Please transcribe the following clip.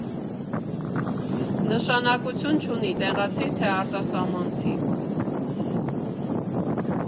Նշանակություն չունի՝ տեղացի, թե արտասահմանցի։